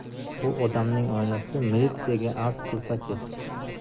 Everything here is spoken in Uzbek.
u odamning oilasi militsiyaga arz qilsa chi